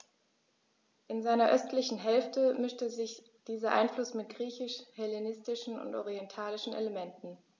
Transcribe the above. In seiner östlichen Hälfte mischte sich dieser Einfluss mit griechisch-hellenistischen und orientalischen Elementen.